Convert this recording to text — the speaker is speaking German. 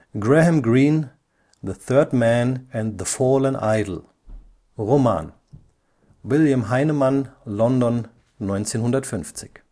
Graham Greene: The Third Man and the Fallen Idol. Roman. William Heinemann, London 1950